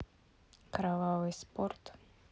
кровавый спорт